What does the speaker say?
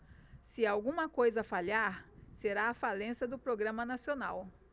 se alguma coisa falhar será a falência do programa nacional